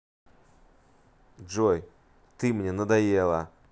джой ты мне надоела